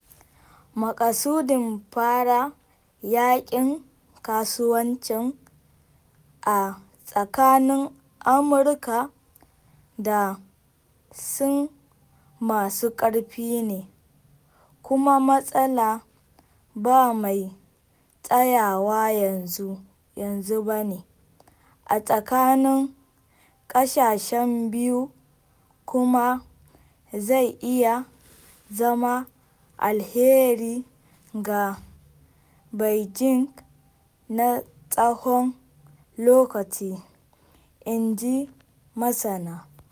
Makusudin fara yakin kasuwancin a tsakanin Amurka da Sin masu karfi ne, kuma matsala ba mai tsayawa yanzu bane, a tsakanin ƙasashen biyu kuma zai iya zama alheri ga Beijing na tsawon lokaci, in ji masana.